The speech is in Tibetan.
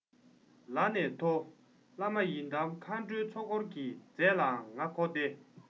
ལར ནས མཐོ བླ མ ཡི དམ མཁའ འགྲོའི ཚོགས འཁོར གྱི རྫས ལའང ང འཁོར སྟེ